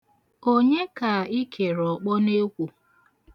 Onye ka ị kere ọkpọ n'ekwo?